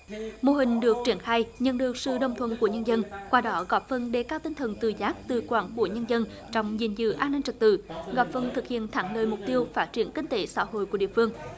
mô hình được triển khai nhận được sự đồng thuận của nhân dân qua đó góp phần đề cao tinh thần tự giác tự quản của nhân dân trọng gìn giữ an ninh trật tự góp phần thực hiện thắng lợi mục tiêu phát triển kinh tế xã hội của địa phương